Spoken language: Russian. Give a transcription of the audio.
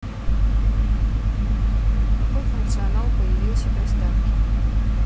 какой функционал появился приставки